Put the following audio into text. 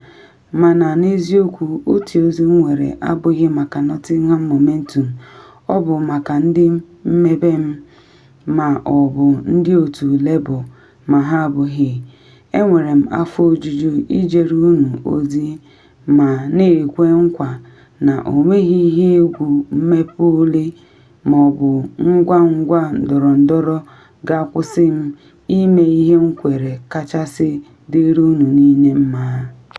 Mana n’eziokwu otu ozi m nwere abụghị maka Nottingham Momentum, ọ bụ maka ndị mmebe m, ma ọ bụ ndị otu Labour ma ha abụghị: Enwere m afọ ojuju ijere unu ozi ma na ekwe nkwa na ọnweghị ihe egwu mwepu ole ma ọ bụ ngwangwa ndọrọndọrọ ga-akwụsị m ịme ihe m kwere kachasị dịịrị unu niile mma.